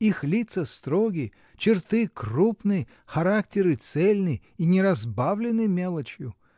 Их лица строги, черты крупны, характеры цельны и не разбавлены мелочью!